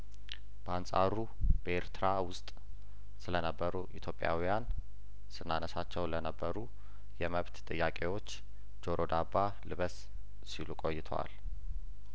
ባንጻሩ በኤርትራ ውስጥ ስለነበሩ ኢትዮጵያውያን ስናነሳቸው ለነበሩ የመብት ጥያቄዎች ጆሮ ዳባ ልበስ ሲሉ ቆይተዋል